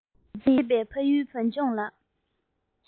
ང ཡི མཛེས པའི ཕ ཡུལ བོད ལྗོངས ལགས